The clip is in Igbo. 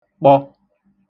kpọ